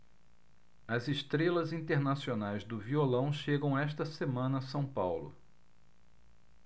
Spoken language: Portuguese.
as estrelas internacionais do violão chegam esta semana a são paulo